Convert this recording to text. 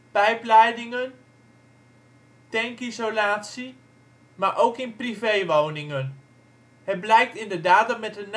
pijpleidingen, tankisolatie maar ook in privéwoningen. Het blijkt inderdaad dat met de nanotechnologie